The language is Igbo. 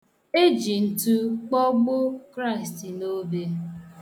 Eji ntu kpọgbọ Kraịst n' obe.